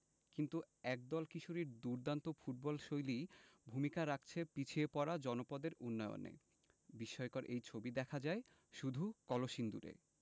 কিন্তু একদল কিশোরীর দুর্দান্ত ফুটবলশৈলী ভূমিকা রাখছে পিছিয়ে পড়া জনপদের উন্নয়নে বিস্ময়কর এই ছবি দেখা যায় শুধু কলসিন্দুরে